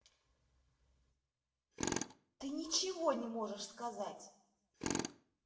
ты ничего не можешь сказать